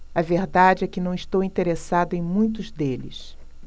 a verdade é que não estou interessado em muitos deles